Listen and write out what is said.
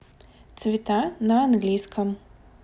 цвета на английском